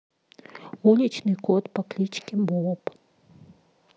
уличный кот по кличке боб